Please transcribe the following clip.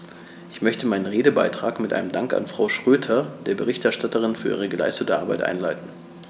Ich möchte meinen Redebeitrag mit einem Dank an Frau Schroedter, der Berichterstatterin, für die geleistete Arbeit einleiten.